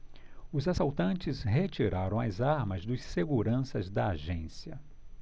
os assaltantes retiraram as armas dos seguranças da agência